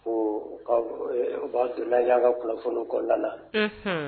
U b'a donnala' kafɔlɔ kɔnɔna